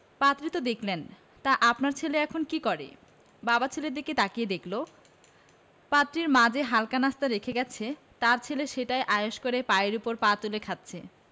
পাত্রী তো দেখলেন তা আপনার ছেলে এখন কী করে বাবা ছেলের দিকে তাকিয়ে দেখল পাত্রীর মা যে হালকা নাশতা রেখে গেছে তার ছেলে সেটাই আয়েশ করে পায়ের ওপর পা তুলে খাচ্ছে